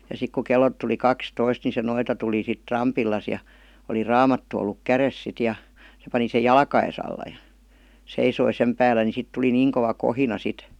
ja sitten kun kellot tuli kaksitoista niin se noita tuli sitten rampilleen ja oli raamattu ollut kädessä sitten ja se pani sen jalkojensa alla ja seisoi sen päällä niin sitten tuli niin kova kohina sitten